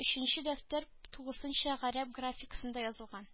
Өченче дәфтәр тулысынча гарәп графикасында язылган